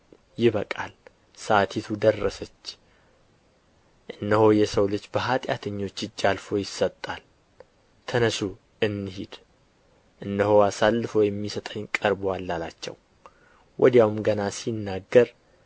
ይበቃል ሰዓቲቱ ደረሰች እነሆ የሰው ልጅ በኃጢአተኞች እጅ አልፎ ይሰጣል ተነሡ እንሂድ እነሆ አሳልፎ የሚሰጠኝ ቀርቦአል አላቸው ወዲያውም ገና ሲናገር